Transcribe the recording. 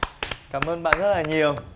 cảm ơn bạn rất là nhiều